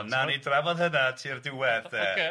O nawn ni drafod hynna tu'r diwedd de ocê.